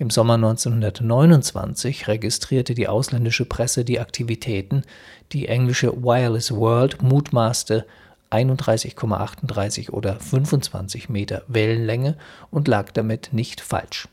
Sommer 1929 registrierte die ausländische Presse die Aktivitäten; die englische Wireless World mutmaßte „ 31,38 oder 25 m Wellenlänge “– und lag damit nicht falsch